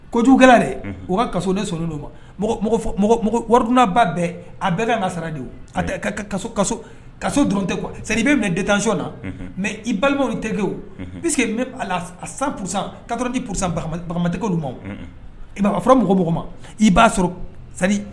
Ko kojugukɛla u ka ka ne so ma waridba bɛɛ a bɛɛ ka ka sara de ka kaso kaso dɔrɔn tɛ sa i bɛ minɛ tɛc na mɛ i balimaw tɛ o que sansa ka ditigiw ma i' fɔra mɔgɔ mɔgɔ ma i b'a sɔrɔ